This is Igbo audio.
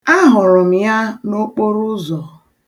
A hụrụ m ya n'okporụụzọ.